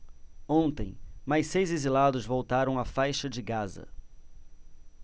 ontem mais seis exilados voltaram à faixa de gaza